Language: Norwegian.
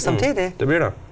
ja det blir det.